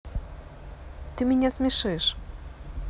ты меня смешишь